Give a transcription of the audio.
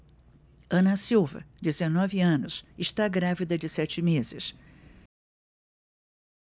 ana silva dezenove anos está grávida de sete meses